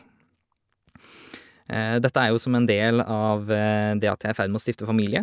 Dette er jo som en del av det at jeg er i ferd med å stifte familie.